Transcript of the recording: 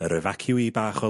...yr ifaciwî bach o...